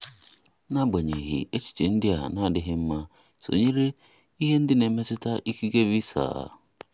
N'agbanyeghị, echiche ndị a n'adịghị mma, sonyere ihe ndị na-emetụta ikike Visa: